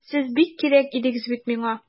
Сез бик кирәк идегез бит миңа!